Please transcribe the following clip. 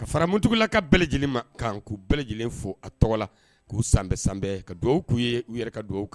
Ka faramugula ka bɛɛ lajɛlen ma kan k'u bɛɛ lajɛlen fo a tɔgɔ la k'u san sanbɛn ka dugawu k'u ye u yɛrɛ ka dugawu kun